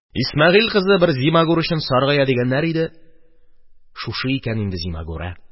Исмәгыйль кызы бер зимагур өчен саргая дигәннәр иде, шушы икән инде зимагуры.